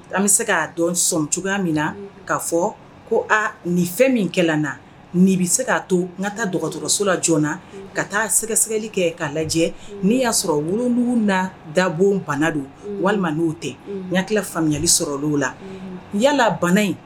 An bɛ se k'a dɔn sɔn cogoya min na k kaa fɔ ko aa nin fɛn min kɛ na nin bɛ se k'a to n ka taa dɔgɔtɔrɔso la joona na ka taa sɛgɛsɛgɛli kɛ k'a lajɛ n'i y'a sɔrɔ wuludugu na dabo bana don walima n'o tɛ ya hakili faamuyali sɔrɔlen la yalala bana in